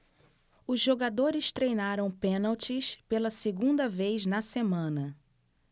os jogadores treinaram pênaltis pela segunda vez na semana